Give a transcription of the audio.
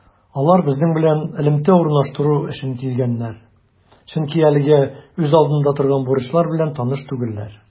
Алар безнең белән элемтә урнаштыру өчен килгәннәр, чөнки әлегә үз алдында торган бурычлар белән таныш түгелләр.